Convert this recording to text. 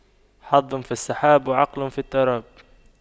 حظ في السحاب وعقل في التراب